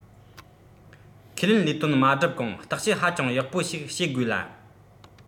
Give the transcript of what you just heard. ཁས ལེན ལས དོན མ བསྒྲུབས གོང བརྟག དཔྱད ཧ ཅང ཡག པོ ཞིག བྱེད དགོས ལ